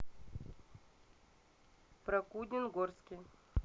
прокудин горский